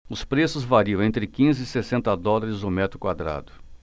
os preços variam entre quinze e sessenta dólares o metro quadrado